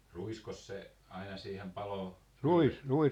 ruiskos se aina siihen paloon kylvettiin